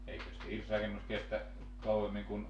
eikös hirsirakennus kestä kauemmin kuin